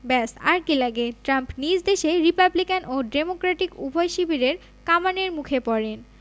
ব্যস আর কী লাগে ট্রাম্প নিজ দেশে রিপাবলিকান ও ডেমোক্রেটিক উভয় শিবিরের কামানের মুখে পড়েন